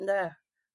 Ynde?